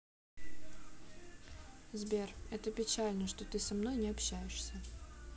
сбер это печально что ты со мной не общаешься